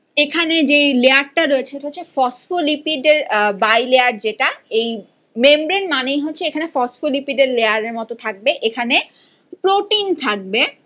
এখানে যে লেয়ারটা রয়েছে ওটা হচ্ছে ফসফোলিপিড এর বাই লেয়ার যেট এই মেমব্রেন মানেই হচ্ছে এখানে ফসফোলিপিড এর লেয়ার এর মত থাকবে এখানে প্রোটিন থাকবে